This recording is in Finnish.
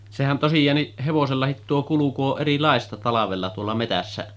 sehän tosiaankin hevosellakin tuo kulku on erilaista talvella tuolla metsässä